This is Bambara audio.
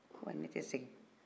ko ayi ne tɛ segin